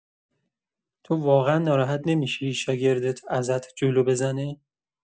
تو واقعا ناراحت نمی‌شی شاگردت ازت جلو بزنه؟